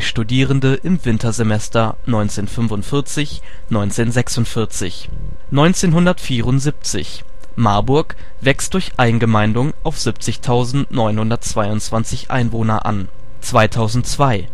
Studierende im Wintersemester 1945 / 46 1974: Marburg wächst durch Eingemeindung auf 70.922 Einwohner an 2002: